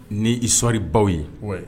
Ni histoire baw ye oui